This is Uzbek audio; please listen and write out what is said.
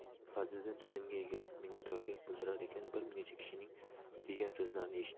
mulla fazliddin tazimga egilib minnatdorchilik bildirar ekan bir necha kishining degan so'zlarini eshitdi